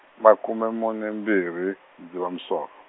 makume mune mbirhi, Dzivamusoko.